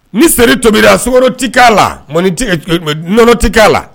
Ni seri tobira so tɛ k'a laɔnɔ tɛ k'a la